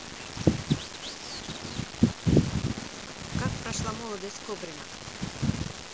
как прошла молодость кобрина